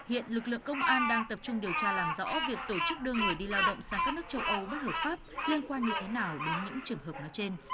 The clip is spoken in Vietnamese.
hiện lực lượng công an đang tập trung điều tra làm rõ việc tổ chức đưa người đi lao động sang các nước châu âu bất hợp pháp liên quan như thế nào đến những trường hợp nói trên